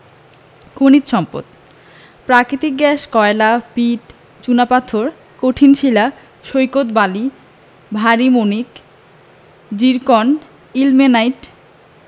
খনিজ সম্পদঃ প্রাকৃতিক গ্যাস কয়লা পিট চুনাপাথর কঠিন শিলা সৈকত বালি ভারি মণিক জিরকন ইলমেনাইট